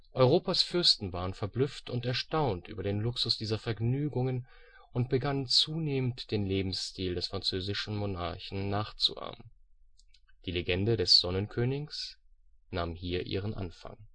Europas Fürsten waren verblüfft und erstaunt über den Luxus dieser Vergnügungen und begannen zunehmend den Lebensstil des französischen Monarchen nachzuahmen. Die Legende des „ Sonnenkönigs “nahm hier ihren Anfang